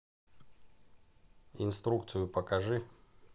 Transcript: инструкцию покажи